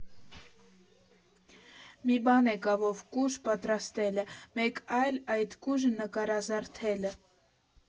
Մի բան է կավով կուժ պատրաստելը, մեկ այլ՝ այդ կուժը նկարազարդելը։